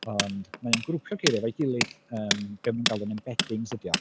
Ond mae o'n grwpio'r geiriau efo'i gilydd yym be maen nhw'n galw'n embeddings ydy o.